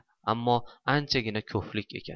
ammo anchagina ko'hlik ekan